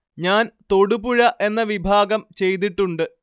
ഞാന്‍ തൊടുപുഴ എന്ന വിഭാഗം ചെയ്തിട്ടുണ്ട്